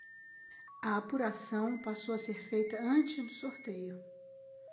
a apuração passou a ser feita antes do sorteio